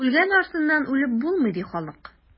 Үлгән артыннан үлеп булмый, ди халык.